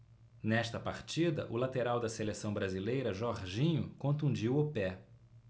nesta partida o lateral da seleção brasileira jorginho contundiu o pé